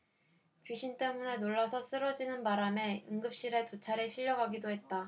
귀신 때문에 놀라서 쓰러지는 바람에 응급실에 두 차례 실려가기도 했다